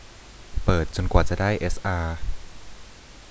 เปิดจนกว่าจะได้เอสอา